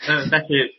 Yy felly